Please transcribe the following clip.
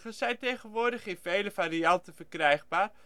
zijn tegenwoordig in vele varianten verkrijgbaar